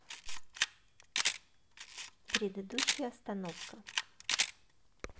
предыдущая остановка